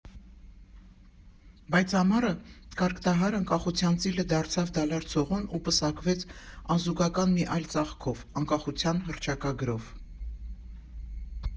Բայց ամառը կարկտահար Անկախության ծիլը դարձավ դալար ցողուն ու պսակվեց անզուգական մի ալ ծաղկով՝ Անկախության հռչակագրով։